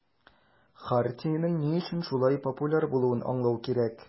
Хартиянең ни өчен шулай популяр булуын аңлау кирәк.